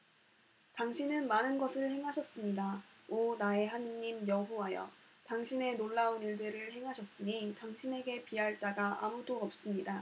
당신은 많은 것을 행하셨습니다 오 나의 하느님 여호와여 당신의 놀라운 일들 을 행하셨으니 당신에게 비할 자가 아무도 없습니다